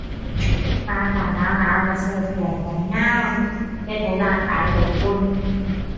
อากาศหนาวหนาวก็ใส่เสื้อแขนยาว เฮ็ดให้ร่างกายอบอุ่น